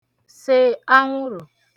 sè anwụrụ̀